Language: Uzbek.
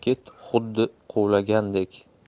ket xuddi quvlagandek